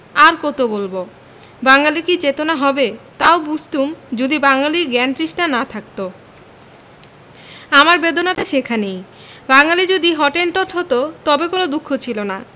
আর কত বলব বাঙালীর কি চেতনা হবে তাও বুঝতুম যদি বাঙালীর জ্ঞানতৃষ্ণা না থাকত আমার বেদনাটা সেইখানে বাঙালী যদি হটেনটট হত তবে কোন দুঃখ ছিল না